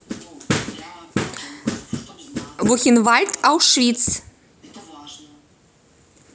бухенвальд аушвиц